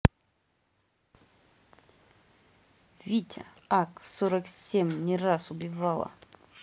витя ак сорок семь не раз убивало